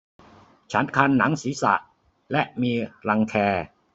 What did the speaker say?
ฉันคันหนังศีรษะและมีรังแค